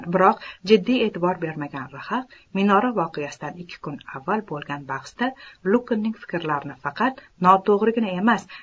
biroq jiddiy e'tibor bermagan rhaq minora voqeasidan ikki kun avval bo'lgan bahsda luknning fikrlari faqat noto'g'rigina emas